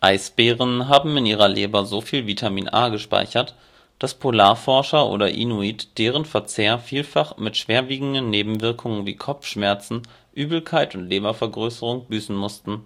Eisbären haben in ihrer Leber so viel Vitamin-A gespeichert, dass Polarforscher oder Inuit deren Verzehr vielfach mit schwerwiegenden Nebenwirkungen wie Kopfschmerzen, Übelkeit und Lebervergrößerungen büßen mussten